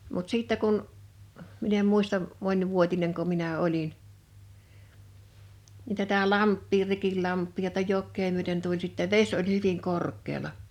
mutta sitten kun minä en muista monivuotinenko minä olin niin tätä lampea Rikinlampea ja tätä jokea myöten tuli sitten vesi oli hyvin korkealla